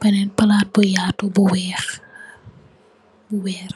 benen palatu bu yatu bu wexx bu weer.